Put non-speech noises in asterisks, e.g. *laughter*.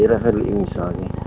di rafetlu émission bi *noise*